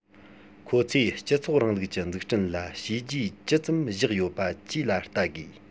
ཁོ ཚོས སྤྱི ཚོགས རིང ལུགས ཀྱི འཛུགས སྐྲུན ལ བྱས རྗེས ཇི ཙམ བཞག ཡོད པ བཅས ལ བལྟ དགོས